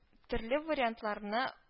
Төрле вариантларны